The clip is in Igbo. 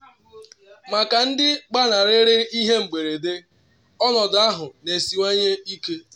Maka ndị gbanarịrị ihe mberede, ọnọdụ ahụ na-esiwanye ike.